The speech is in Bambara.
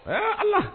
H ala